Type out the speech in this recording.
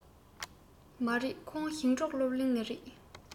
མ རེད ཁོང ཞིང འབྲོག སློབ གླིང ནས རེད